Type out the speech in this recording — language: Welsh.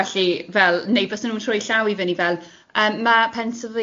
Felly, fel, neu byse nhw'n troi llaw i fyny fel, yym ma' pensil